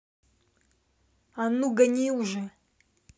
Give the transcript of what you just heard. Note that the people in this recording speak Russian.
а ну гони уже